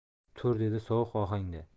tur dedi sovuq ohangda